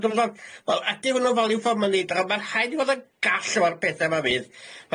Wel do'dd o'n wel adi fo' nw'n value for money bachod ma' rhaid i fo' ddo gall efo'r pethe ma' fydd.